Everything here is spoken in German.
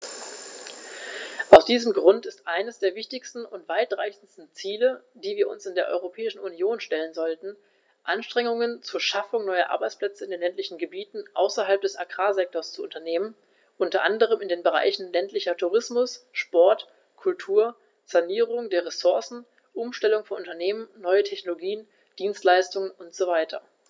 Aus diesem Grund ist es eines der wichtigsten und weitreichendsten Ziele, die wir uns in der Europäischen Union stellen sollten, Anstrengungen zur Schaffung neuer Arbeitsplätze in den ländlichen Gebieten außerhalb des Agrarsektors zu unternehmen, unter anderem in den Bereichen ländlicher Tourismus, Sport, Kultur, Sanierung der Ressourcen, Umstellung von Unternehmen, neue Technologien, Dienstleistungen usw.